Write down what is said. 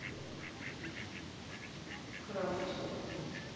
крафт